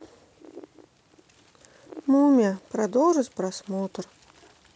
мумия продолжить просмотр